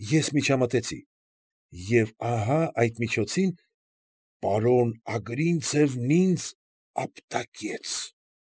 Ես միջամտեցի։ Եվ ահա՛ այդ միջոցին պարոն Ագրինցևն ինձ ապտակեց։